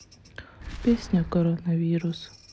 песня коронавирус